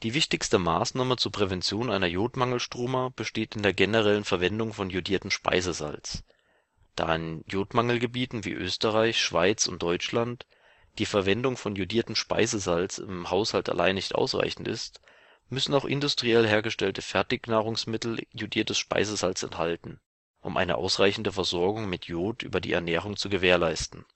wichtigste Maßnahme zur Prävention einer Jodmangelstruma besteht in der generellen Verwendung von iodiertem Speisesalz. Da in Jodmangelgebieten wie Österreich, Schweiz und Deutschland die Verwendung von iodiertem Speisesalz im Haushalt allein nicht ausreichend ist, müssen auch industriell hergestellte Fertignahrungsmittel iodiertes Speisesalz enthalten, um eine ausreichende Versorgung mit Iod über die Ernährung zu gewährleisten